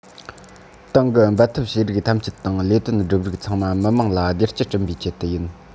ཏང གིས འབད འཐབ བྱེད རིགས ཐམས ཅད དང ལས དོན སྒྲུབ རིགས ཚང མ མི དམངས ལ བདེ སྐྱིད སྐྲུན པའི ཆེད དུ ཡིན